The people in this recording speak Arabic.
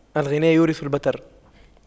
الغنى يورث البطر